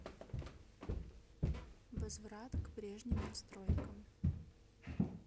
возврат к прежним настройкам